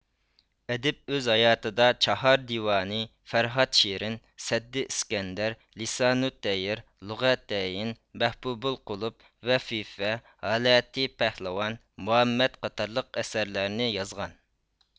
ئەدىب ئۆز ھاياتىدا چاھار دىۋانى فەرھاد شېرىن سەددى ئىسكەندەر لىسانۇتتەير لۇغەتەين مەھبۇبۇل قۇلۇپ ۋەففىيە ھالەتى پەھلىۋان مۇھەممەد قاتارلىق ئەسەرلەرنى يازغان